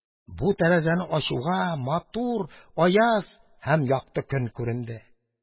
Бу тәрәзәне ачуга, матур, аяз һәм якты көн күренде.